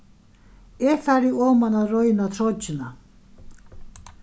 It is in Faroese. eg fari oman at royna troyggjuna